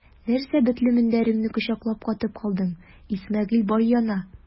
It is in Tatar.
Нәрсә бетле мендәреңне кочаклап катып калдың, Исмәгыйль бай яна!